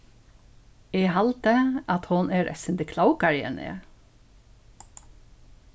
eg haldi at hon er eitt sindur klókari enn eg